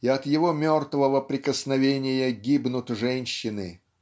и от его мертвого прикосновения гибнут женщины